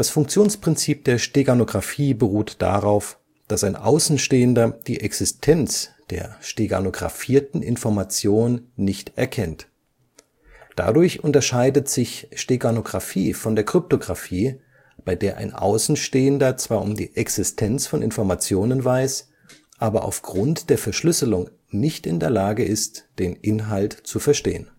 Funktionsprinzip der Steganographie beruht darauf, dass ein Außenstehender die Existenz der steganographierten Information nicht erkennt. Dadurch unterscheidet Steganographie sich von der Kryptographie, bei der ein Außenstehender zwar um die Existenz von Informationen weiß, aber aufgrund der Verschlüsselung nicht in der Lage ist, den Inhalt zu verstehen